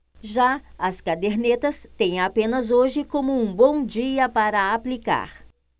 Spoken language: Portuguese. já as cadernetas têm apenas hoje como um bom dia para aplicar